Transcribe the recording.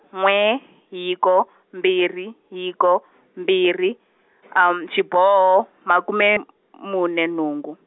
n'we hiko mbirhi hiko mbirhi xiboho makume m-, mune nhungu.